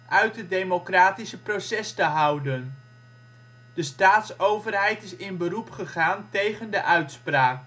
uit het democratische proces te houden. De staatsoverheid is in beroep gegaan tegen de uitspraak. [3